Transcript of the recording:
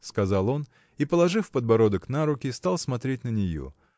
— сказал он и, положив подбородок на руки, стал смотреть на нее.